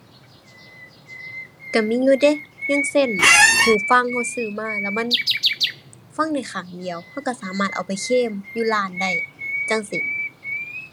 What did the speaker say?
ก็มีอยู่เดะ อย่างเช่น หูฟังก็ซื้อมาแล้วมันฟังได้ข้างเดียว ก็ก็สามารถเอาไปเคลมอยู่ร้านได้ จั่งซี้